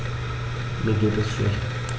Mir geht es schlecht.